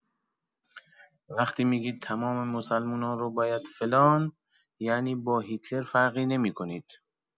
وقتی می‌گید تمام مسلمونا رو باید فلان، یعنی با هیتلر فرقی نمی‌کنید.